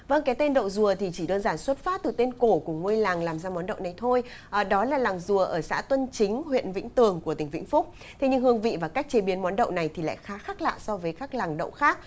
vâng cái tên đậu rùa thì chỉ đơn giản xuất phát từ tên cổ của ngôi làng làm ra món đậu đấy thôi ờ đó là làng rùa ở xã tuân chính huyện vĩnh tường của tỉnh vĩnh phúc thế nhưng hương vị và cách chế biến món đậu này thì lại khá khác lạ so với các làng đậu khác